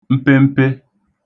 mpempe